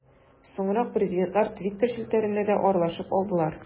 Соңрак президентлар Twitter челтәрендә дә аралашып алдылар.